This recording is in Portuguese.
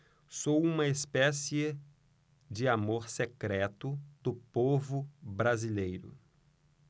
sou uma espécie de amor secreto do povo brasileiro